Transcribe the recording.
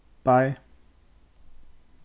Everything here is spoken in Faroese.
bei